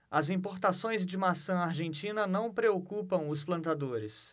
as importações de maçã argentina não preocupam os plantadores